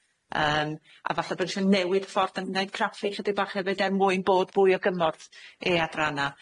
Yym a falle bo isio newid y ffordd o neud craffu chydig bach hefyd er mwyn bod fwy o gymorth i adranna.